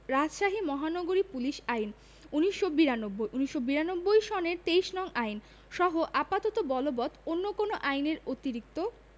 রাজশাহী মহানগরী পুলিশ আইন ১৯৯২ ১৯৯২ সনের ২৩ নং আইন সহ আপাতত বলবৎ অন্য কোন আইন এর অতিরিক্ত